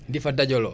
di fa dajaloo